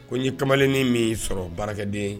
Ko ye kamalennin min sɔrɔ baarakɛden